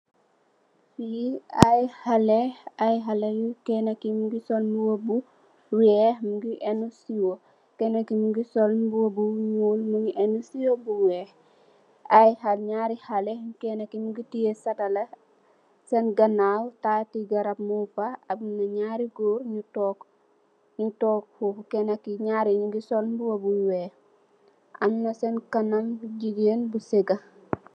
Li ay xale ay xale kena ki mongi sol mbuba bu weex mu enu siwo kena ki mongi sol mbuba bu nuul mongi enu siwo bu weex ay xele naari xale kena ki mongi tiye satala sen ganaw taati garab mung fa ak naari goor nyu tog nyun tog fofu kena ki naari nyugi sol mbuba bu weex amna sen kanam jigeen bu sega.